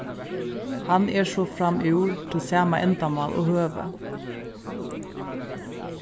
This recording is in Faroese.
hann er so framúr til sama endamál og høvi